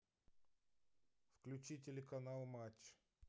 включи телеканал матч